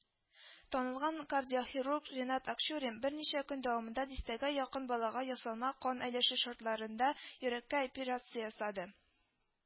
Танылган кардиохирург Ренат Акчурин бер ничә көн давамында дистәгә якын балага ясалма кан әйләше шартларында йөрәккә операция ясады